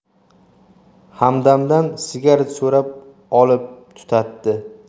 hamdamdan sigaret so'rab olib tutatdi